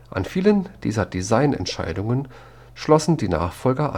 An viele dieser Design-Entscheidungen schlossen die Nachfolger